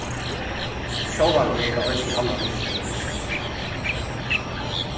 og sjálvandi hevði tað eisini annað virksemi við sær sigur hann